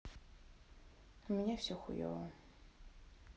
у меня все хуево